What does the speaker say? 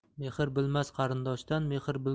mehr bilmas qarindoshdan